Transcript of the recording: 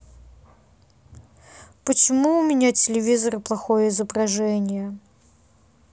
почему у меня телевизора плохое изображение